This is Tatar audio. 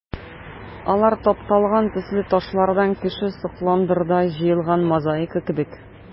Алар тапталган төсле ташлардан кеше сокланырдай җыелган мозаика кебек.